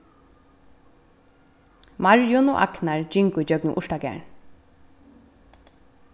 marjun og agnar gingu gjøgnum urtagarðin